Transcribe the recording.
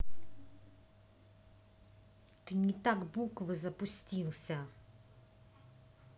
ты не так буквы запустился